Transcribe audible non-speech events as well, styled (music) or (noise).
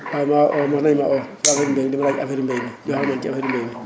waay maa oo mos na ñu ma oo (noise) si affaire bay di ma laaj affaire mbay mi di wax ak man si affaire mbay mi